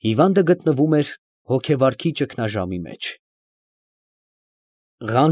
Հիվանդը գտնվում էր հոգեվարքի ճգնաժամի մեջ…։